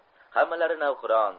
hammalari navqiron